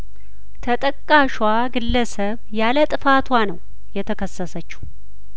ተጠቃሿ ግለሰብ ያለጥፋቷ ነው የተከሰሰችው